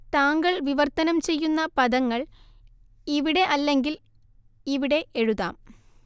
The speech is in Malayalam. താങ്കൾ വിവർത്തനം ചെയ്യുന്ന പദങ്ങൾ ഇവിടെ അല്ലെങ്കിൽ ഇവിടെ എഴുതാം